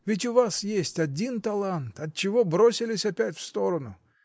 Ведь у вас есть один талант: отчего бросились опять в сторону?